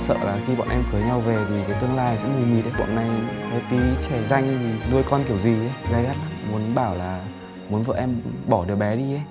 sợ là khi bọn em cưới nhau về thì tương lai nó sẽ mù mịt bọn này có tí trẻ ranh thì nuôi con kiểu gì ý muốn bảo là muốn vợ em bỏ đứa bé đi ý